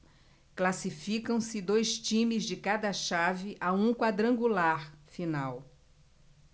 classificam-se dois times de cada chave a um quadrangular final